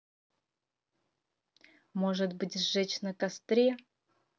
может быть сжечь на костре